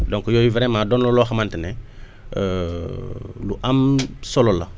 donc yooyu vraiment doon na loo xamante ne lu am solo la